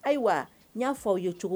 Ayiwa n'a fɔ aw ye cogo